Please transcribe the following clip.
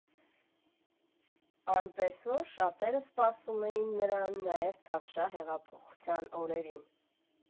Այնպես որ՝ շատերը սպասում էին նրան նաև թավշյա հեղափոխության օրերին։